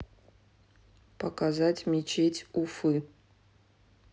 показать мечеть уфы